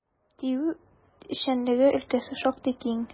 ТИҮ эшчәнлеге өлкәсе шактый киң.